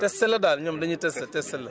test la daal ñoom dañuy tester